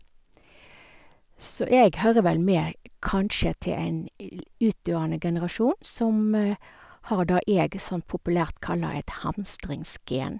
Så jeg hører vel med kanskje til en utdøende generasjon som har det jeg sånn populært kaller et hamstringsgen.